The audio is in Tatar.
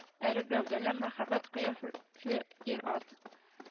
Эре гәүдәле, мәһабәт кыяфәтле ир-ат